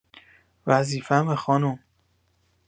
وظیفمه خانم